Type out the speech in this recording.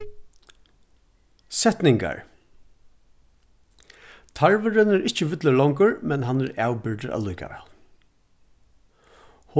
setningar tarvurin er ikki villur longur men hann er avbyrgdur allíkavæl